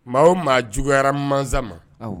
Maa o maa juguyara mansa ma awɔ